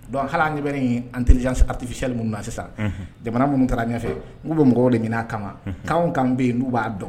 Donc hali an ɲɛ bɛ intelligence artificielle ninnu na sisan jamana minnu taara ɲɛfɛ u bɛ mɔgɔw ɲini a kama, unhun, kan o kan bɛ yen n'u b'a don